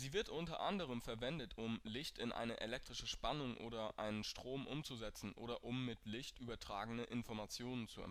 wird unter anderem verwendet, um Licht in eine elektrische Spannung oder einen Strom umzusetzen oder um mit Licht übertragene Informationen zu